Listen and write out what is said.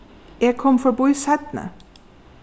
eg kom forbí seinni